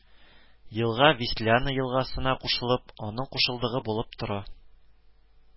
Елга Весляна елгасына кушылып, аның кушылдыгы булып тора